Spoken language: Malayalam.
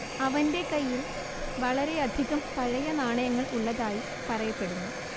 അവന്റെ കൈയ്യിൽ വളരെയധികം പഴയ നാണയങ്ങൾ ഉള്ളതായി പറയപ്പെടുന്നു